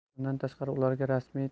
bundan tashqari ularga rasmiy